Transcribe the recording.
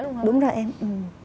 đúng rồi em ừ